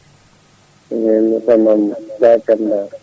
* penda Gay Penda